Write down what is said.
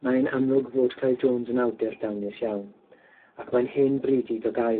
Mae'n amlwg fod Clive Jones yn awdur dawnus iawn, ac mae'n hen bryd iddo gael